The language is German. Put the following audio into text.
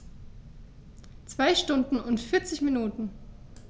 2 Stunden und 40 Minuten